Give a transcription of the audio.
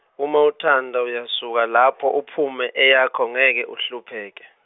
uma uthanda uyasuka lapho uphume eyakho ngeke uhlupheke.